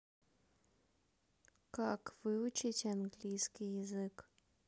как выучить английский язык